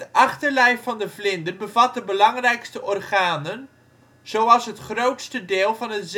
achterlijf van de vlinder bevat de belangrijkste organen, zoals het grootste deel van het